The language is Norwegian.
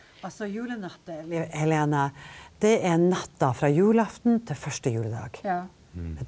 altså julenatt Liv Helene, det er natta fra julaften til første juledag.